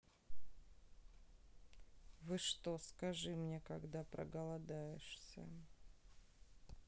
вы что скажи мне когда проголодаешься